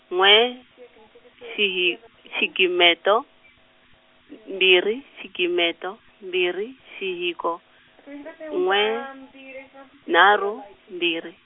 n'we, xihi- xigimeto, mbirhi xigimeto, mbirhi xihiko, n'we, nharhu mbirhi.